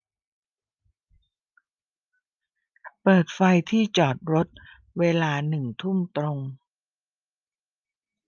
เปิดไฟที่จอดรถเวลาหนึ่งทุ่มตรง